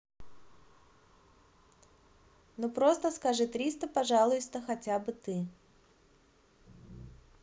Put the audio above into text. ну просто скажи триста пожалуйста хотя бы ты